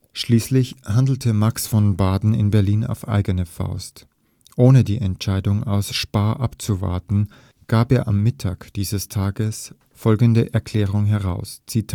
Schließlich handelte Max von Baden in Berlin auf eigene Faust. Ohne die Entscheidung aus Spa abzuwarten, gab er am Mittag dieses Tages folgende Erklärung heraus: Der